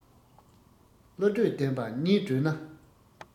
བློ གྲོས ལྡན པ གཉིས བགྲོས ན